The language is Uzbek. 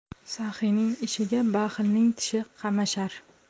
saxiyning ishiga baxilning tishi qamashar